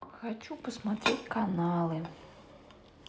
хочу посмотреть каналы